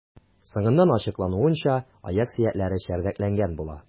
Соңыннан ачыклануынча, аяк сөякләре чәрдәкләнгән була.